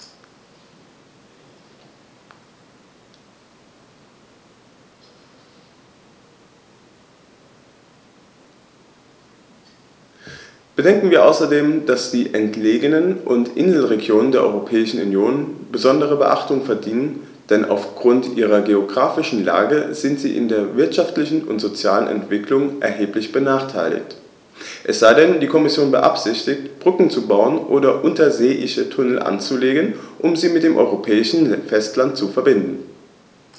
Bedenken wir außerdem, dass die entlegenen und Inselregionen der Europäischen Union besondere Beachtung verdienen, denn auf Grund ihrer geographischen Lage sind sie in ihrer wirtschaftlichen und sozialen Entwicklung erheblich benachteiligt - es sei denn, die Kommission beabsichtigt, Brücken zu bauen oder unterseeische Tunnel anzulegen, um sie mit dem europäischen Festland zu verbinden.